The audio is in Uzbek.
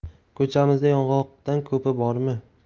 ko'chamizda yong'oqdan ko'pi bormi